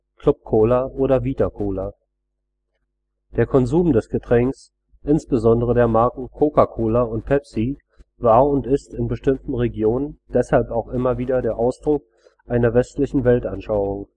Club-Cola und Vita Cola. Der Konsum des Getränks, insbesondere der Marken Coca-Cola und Pepsi, war und ist in bestimmten Regionen deshalb auch immer wieder der Ausdruck einer westlichen Weltanschauung